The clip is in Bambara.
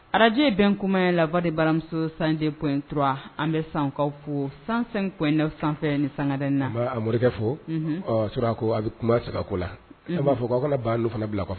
Araje bɛn kuma ye lawa de baramuso sanji kotura an bɛ sankaw fo san ko inda sanfɛ ni sangaren na a morikɛ fɔ sɔrɔ ko a bɛ kunba segin ko la a b'a fɔ k' ban fana bila kɔnɔ